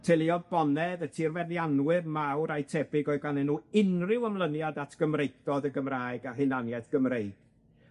teuluodd bonedd y tirfeddianwyr mawr a'u tebyg oedd ganddyn nw unryw ymlyniad at Gymreictod y Gymraeg a hunaniaeth Gymreig.